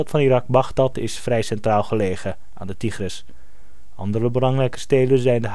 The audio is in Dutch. van Irak, Bagdad, is vrij centraal gelegen aan de Tigris. Andere belangrijke steden zijn